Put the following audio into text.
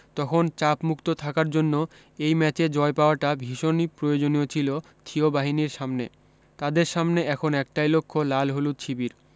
তখন চাপমুক্ত থাকার জন্য এই ম্যাচে জয় পাওয়াটা ভীষণি প্রয়োজনীয় ছিল থিও বাহিনীর সামনে তাদের সামনে এখন একটাই লক্ষ্য লাল হলুদ শিবির